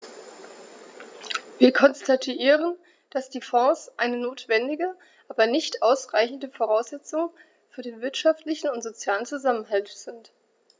Wir konstatieren, dass die Fonds eine notwendige, aber nicht ausreichende Voraussetzung für den wirtschaftlichen und sozialen Zusammenhalt sind.